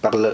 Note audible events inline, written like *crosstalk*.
*hesitation*